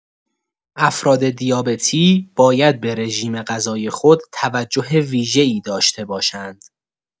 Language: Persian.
افراد دیابتی باید به رژیم‌غذایی خود توجه ویژه‌ای داشته باشند.